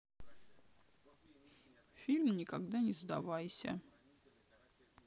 фильм никогда не сдавайся